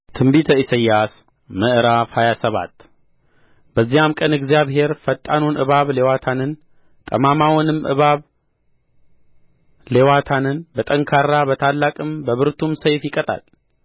ትንቢተ ኢሳይያስ ምዕራፍ ሃያ ሰባት በዚያም ቀን እግዚአብሔር ፈጣኑን እባብ ሌዋታንን ጠማማውንም እባብ ሌዋታንን በጠንካራ በታላቅም በብርቱም ሰይፍ ይቀጣል